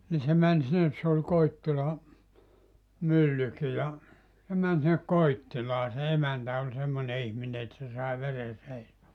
niin se meni sinne se oli Koittila myllykin ja se meni sinne Koittilaan se emäntä oli semmoinen ihminen että se sai veren seisomaan